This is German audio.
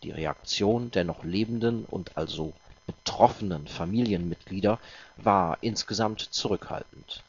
Reaktion der noch lebenden und also „ betroffenen “Familienmitglieder war insgesamt zurückhaltend